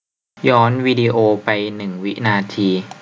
ย้อนวีดีโอไปหนึ่งวินาที